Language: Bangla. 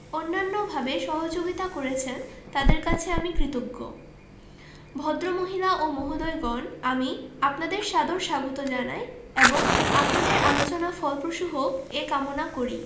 অন্যান্যভাবে সহযোগিতা করেছেন তাঁদের কাছে আমি কৃতজ্ঞ ভদ্রমহিলা ও মহোদয়গণ আমি আপনাদের সাদর স্বাগত জানাই এবং আপনাদের আলোচনা ফলপ্রসূ হোক এ কামনা করি